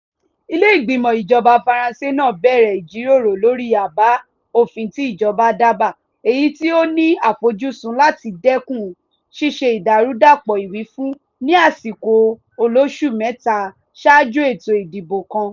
Ilé ìgbìmọ̀ ìjọba Faransé náà bẹ̀rẹ̀ ìjíròrò lórí àbá òfin tí ìjọba dábàá èyí tí ó ní àfojúsùn láti dẹ́kun "ṣíṣe ìdàrúdàpọ̀ ìwífún" ní àsìkò olóṣù-mẹ́ta ṣáájú ètò ìdìbò kan.